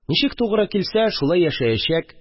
Ничек тугры килсә, шулай яшәячәк